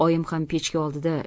oyim ham pechka oldida